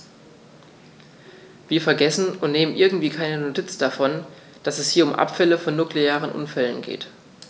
Wir vergessen, und nehmen irgendwie keine Notiz davon, dass es hier um Abfälle von nuklearen Unfällen geht.